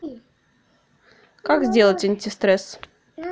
как сделать антистресс